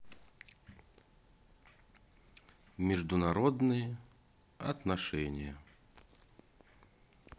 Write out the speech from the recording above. международные отношения